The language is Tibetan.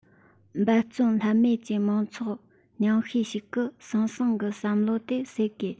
འབད བརྩོན ལྷོད མེད ཀྱིས མང ཚོགས ཉུང ཤས ཤིག གི ཟང ཟིང གི བསམ བློ དེ སེལ དགོས